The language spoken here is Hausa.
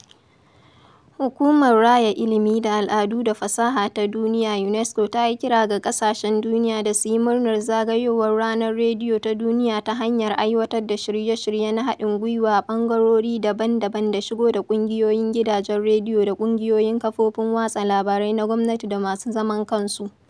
Hukumar Raya Ilimi da Al'adu da Fasaha Ta Duniya (UNESCO) ta yi kira ga ƙasashen duniya da su yi murnar zagayowar Ranar Rediyo Ta Duniya ta hanyar aiwatar da shirye-shirye na haɗin-gwiwa a ɓangarori daban-daban da shigo da ƙungiyoyin gidajen rediyo da ƙungiyoyin kafofin watsa labarai na gwamnati da masu zaman kansu.